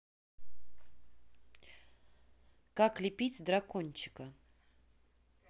как лепить дракончика